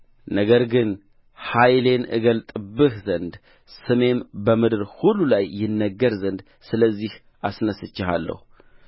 ነገር ግን ኃይሌን እገልጥብህ ዘንድ ስሜም በምድር ሁሉ ላይ ይነገር ዘንድ ስለዚህ አስነሥቼሃለሁ